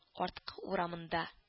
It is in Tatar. Арткы урамында